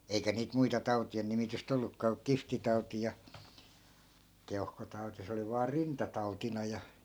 eikä niitä muita tautien nimitystä ollutkaan kuin kihtitauti ja keuhkotauti se oli vain rintatautina ja